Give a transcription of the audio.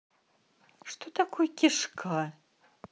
что такое кишка